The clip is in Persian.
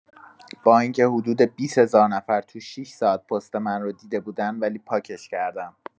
با اینکه حدود ۲۰ هزار نفر تو ۶ ساعت پست من رو دیده بودن ولی پاکش کردم.